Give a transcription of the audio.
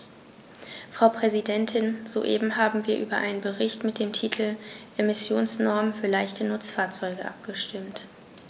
Frau Präsidentin, soeben haben wir über einen Bericht mit dem Titel "Emissionsnormen für leichte Nutzfahrzeuge" abgestimmt.